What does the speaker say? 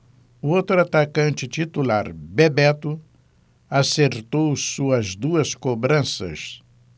o outro atacante titular bebeto acertou suas duas cobranças